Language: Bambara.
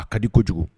A ka di kojugu